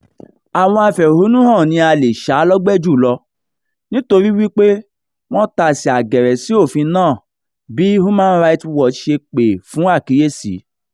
Àwọn afẹ̀hónúhàn ni a lè ṣá lọ́gbẹ́ jù lọ nítorí wípé wọ́n tasẹ̀ àgẹ̀rẹ̀ sí òfin náà bí Human Rights Watch ṣe pè fún àkíyèsí: